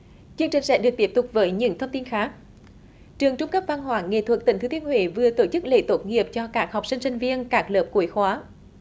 chương trình sẽ được tiếp tục với những thông tin khác trường trung cấp văn hóa nghệ thuật tỉnh thừa thiên huế vừa tổ chức lễ tốt nghiệp cho các học sinh sinh viên các lớp cuối khóa